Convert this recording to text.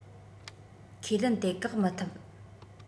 ཁས ལེན དེ བཀག མི ཐུབ